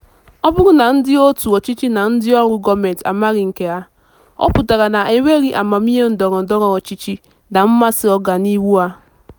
Ọ bụrụ na ndị òtù ọchịchị na ndịọrụ gọọmentị amaghị nke a, ọ pụtara na ha enweghị amamiihe ndọrọndọrọ ọchịchị na mmasị ọganihu ha.